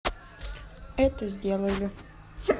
это сделали